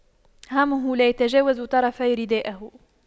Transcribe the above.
همه لا يتجاوز طرفي ردائه